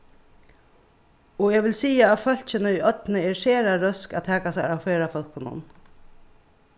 og eg vil siga at fólkini í oynni eru sera røsk at taka sær av ferðafólkunum